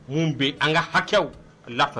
Mun bɛ an ka hakɛw a la